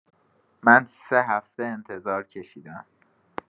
من ۳ هفته انتظار کشیدم